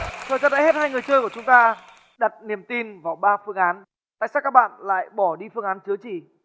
thời gian đã hét hai người chơi của chúng ta đặt niềm tin vào ba phương án tại sao các bạn lại bỏ đi phương án chứa chì